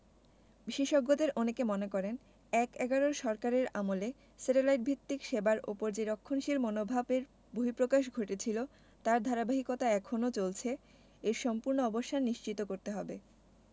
বিশেষজ্ঞদের অনেকে মনে করেন এক–এগারোর সরকারের আমলে স্যাটেলাইট ভিত্তিক সেবার ওপর যে রক্ষণশীল মনোভাবের বহিঃপ্রকাশ ঘটেছিল তার ধারাবাহিকতা এখনো চলছে এর সম্পূর্ণ অবসান নিশ্চিত করতে হবে